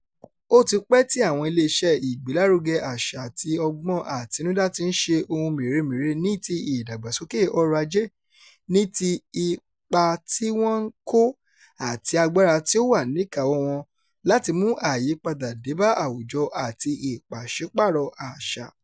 Ó ti pẹ́ tí àwọn iléeṣẹ́ ìgbélárugẹ àṣà àti ọgbọ́n àtinudá ti ń ṣe ohun mèremère ní ti ìdàgbàsókè ọrọ̀ Ajé, ní ti ipa tí wọ́n ń kó àti agbára tí ó wà níkàáwọ́ wọn láti mú àyípadà dé bá àwùjọ àti ìpàṣípààrọ̀ àṣà.